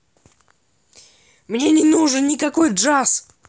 мне не нужен никакой джаз